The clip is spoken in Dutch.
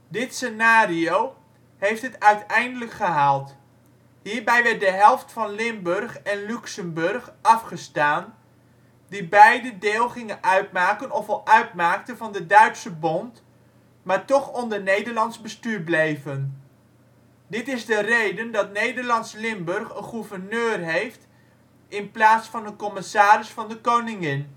Dit scenario heeft het uiteindelijk gehaald. Hierbij werd de helft van Limburg en Luxemburg afgestaan, die beiden deel gingen uitmaken of al uitmaakten van de Duitse Bond, maar toch onder Nederlands bestuur bleven. Dit is de reden dat Nederlands Limburg een gouverneur heeft in plaats van een Commissaris van de Koningin